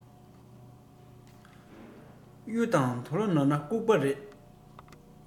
གཡུ དང དོ ལོ ནོར ན ལྐུགས པ རེད